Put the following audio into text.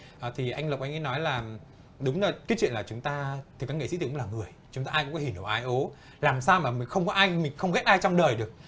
ờ thì anh lộc anh ý nói là đúng là cái chuyện là chúng ta thì văn nghệ sĩ thì cũng là người chúng ta ai cũng hỉ nổ ái ố làm sao mà mình không có ai mình không ghét ai trong đời được